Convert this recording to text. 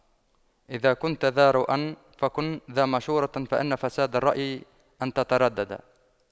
إذا كنتَ ذا رأيٍ فكن ذا مشورة فإن فساد الرأي أن تترددا